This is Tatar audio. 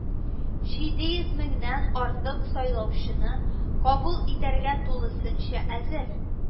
Җиде йөз меңнән артык сайлаучыны кабул итәргә тулысынча әзер